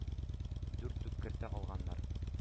Дүрт туп кертә алганнар.